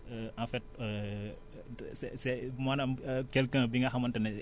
en fait c' est c' est maanaam quelqu' un bi nga xamante ne